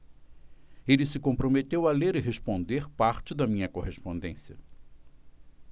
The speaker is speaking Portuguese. ele se comprometeu a ler e responder parte da minha correspondência